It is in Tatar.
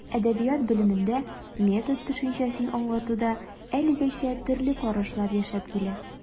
Әдәбият белемендә метод төшенчәсен аңлатуда әлегәчә төрле карашлар яшәп килә.